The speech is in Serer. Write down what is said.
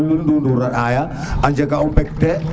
lul ndundur a ɗaya a jega o mbek te